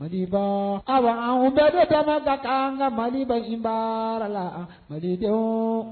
Malibaa awa anw bɛɛ dɔ dama ka kaan an ka Maliba in baara la malidenw